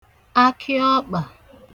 akịọkpà